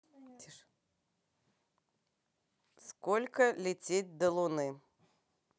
сколько лететь до луны